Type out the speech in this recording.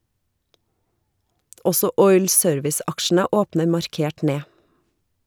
Også oil service-aksjene åpner markert ned.